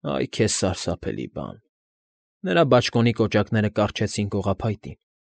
Այ քեզ սարսափելի բա՜ն։ Նրա բաճկոնի կոճակները կառչեցին կողափայտին։